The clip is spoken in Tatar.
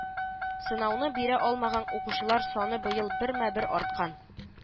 Сынауны бирә алмаган укучылар саны быел бермә-бер арткан